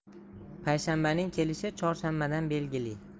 payshanbaning kelishi chorshanbadan belgili